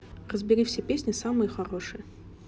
разбери все песни самые хорошие